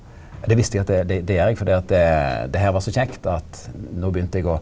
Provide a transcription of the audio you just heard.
det visste eg at det det gjer eg fordi at det her var så kjekt at nå begynte eg å.